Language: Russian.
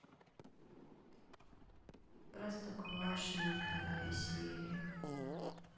простоквашино вторая серия